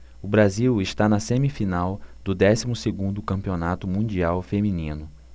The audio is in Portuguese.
o brasil está na semifinal do décimo segundo campeonato mundial feminino